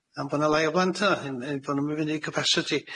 am bod yna lai o blant yna, a'u- a'u bo' nw'm i fyny i capasiti.